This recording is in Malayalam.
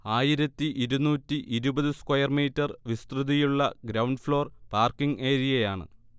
ആയിരത്തി ഇരുന്നൂറ്റി ഇരുപത് സ്ക്വയർ മീറ്റർ വിസ്തൃതിയുള്ള ഗ്രൗണ്ട് ഫ്ളോർ പാർക്കിങ് ഏരിയയാണ്